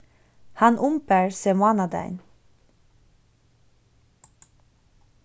hann umbar seg mánadagin